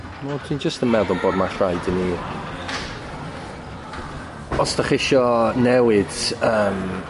Wel dwi jyst yn meddwl bod ma' rhaid i ni... Os dach isio newid yym